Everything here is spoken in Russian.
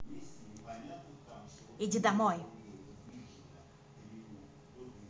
иди домой